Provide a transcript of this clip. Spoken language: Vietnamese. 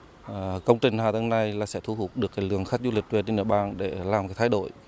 à công trình hạ tầng này là sẽ thu hút được cái lượng khách du lịch trên địa bàn để làm cái thay đổi